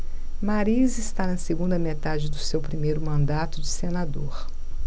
mariz está na segunda metade do seu primeiro mandato de senador